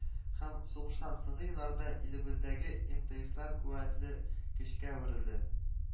Һәм сугыштан соңгы елларда илебездәге эмэтэслар куәтле көчкә әверелде